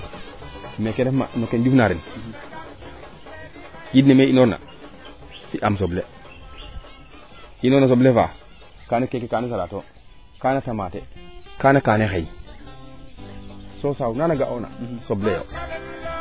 meeke refma no ke im njufna ren njiind ne me i inoor na fi aam soble inoor no soble faaa kane keeke kaani salatoo kaana tamate kaana kaane xeeñ so saaw naana ga'oona soble yoo